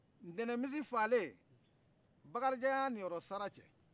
tɛnɛn misi faalen bakarijan y'a ninyɔrɔsara cɛ